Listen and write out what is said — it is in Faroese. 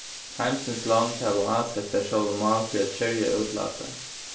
heimsins lond hava ásett sær sjálvum mál fyri at skerja útlátið